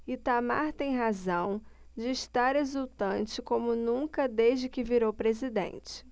itamar tem razão de estar exultante como nunca desde que virou presidente